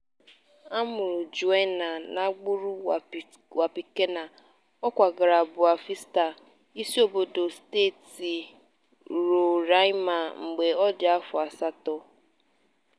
A mụrụ Joenia n'agbụrụ Wapichana, ọ kwagara Boa Vista, isiobodo steeti Roraima, mgbe ọ dị afọ asatọ.